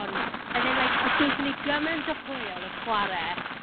Ond, a then like, gaethon ni gymaint o hwyl yn chwarae...